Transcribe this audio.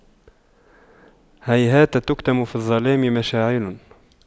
هيهات تكتم في الظلام مشاعل